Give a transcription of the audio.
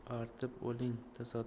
yu artib oling tasadduq